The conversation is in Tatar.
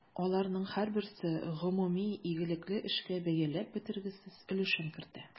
Аларның һәрберсе гомуми игелекле эшкә бәяләп бетергесез өлешен кертә.